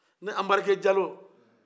ne anbarike jalo